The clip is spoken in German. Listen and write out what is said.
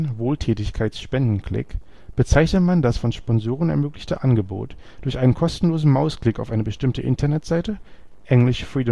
Wohltätigkeits-Spendenklick) bezeichnet man das von Sponsoren ermöglichte Angebot, durch einen kostenlosen Mausklick auf eine bestimmte Internetseite (englisch: Free